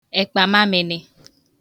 èkpàmamị̄nị̄